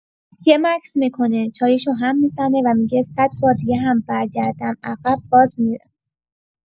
یه مکث می‌کنه، چایی‌شو هم می‌زنه و می‌گه: «صد بار دیگه هم برگردم عقب، باز می‌رم.»